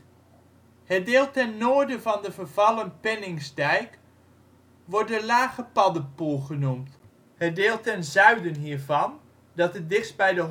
Het deel ten noorden van de (vervallen) Penningsdijk wordt de Lage Paddepoel genoemd. Het deel ten zuiden hiervan, dat het dichtst bij de Hondsrug